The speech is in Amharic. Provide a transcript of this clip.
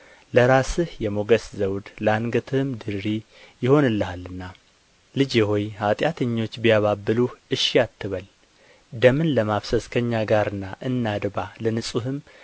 ለራስህ የሞገስ ዘውድ ለአንገትህም ድሪ ይሆንልሃልና ልጄ ሆይ ኃጢአተኞች ቢያባብሉህ እሺ አትበል ደምን ለማፍሰስ ለእኛ ጋር ና እናድባ ለንጹሕም